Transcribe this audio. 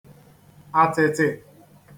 àtị̀tị̀